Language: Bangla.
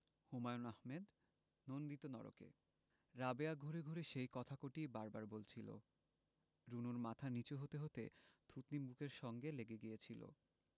হুমায়ুন আহমেদ নন্দিত নরকে রাবেয়া ঘুরে ঘুরে সেই কথা কটিই বার বার বলছিলো রুনুর মাথা নীচু হতে হতে থুতনি বুকের সঙ্গে লেগে গিয়েছিলো